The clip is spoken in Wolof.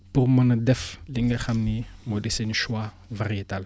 pour mën a def li nga xam ni moo di seen choix varéital